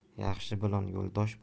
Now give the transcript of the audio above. yaxshi bilan yo'ldosh